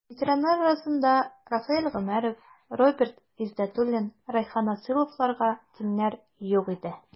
Ветераннар арасында Рафаэль Гомәров, Роберт Гыйздәтуллин, Рәйхан Асыловларга тиңнәр юк иде.